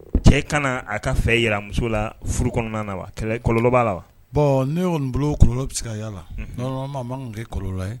Cɛ kana a ka fɛ jiramuso la furu kɔnɔna na wa kɛlɛ kolonba la bɔn ne kolon bɛ se yala lama ma kɛ kolon ye